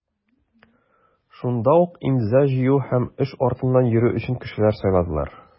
Шунда ук имза җыю һәм эш артыннан йөрү өчен кешеләр сайладылар.